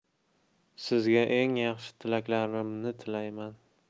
sizga eng yaxshi tilaklarimni tilayman